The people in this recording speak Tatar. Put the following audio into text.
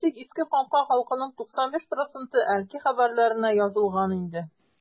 Әйтик, Иске Камка халкының 95 проценты “Әлки хәбәрләре”нә язылган инде.